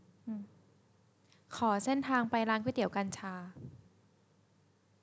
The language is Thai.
ขอเส้นทางไปร้านก๋วยเตี๋ยวกัญชา